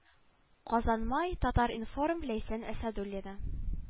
Казан май татар-информ ләйсән әсәдуллина